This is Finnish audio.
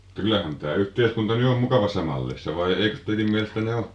mutta kyllähän tämä yhteiskunta nyt on mukavassa mallissa vai eikös teidän mielestänne ole